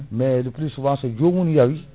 mais le souvent so joomun yaawi